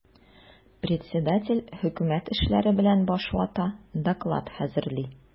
Председатель хөкүмәт эшләре белән баш вата, доклад хәзерли.